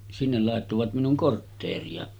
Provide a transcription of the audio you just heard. sinne laittoivat minun kortteeria